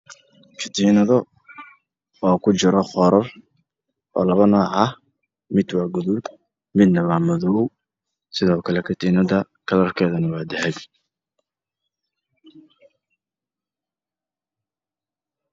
Katiinado kujiro boorar guduud iyo madow wana dahabi